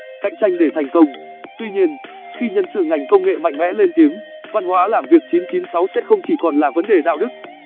tuy nhiên khi nhân sự ngành công nghệ mạnh mẽ lên tiếng văn hóa làm việc sẽ không chỉ còn là vấn đề đạo đức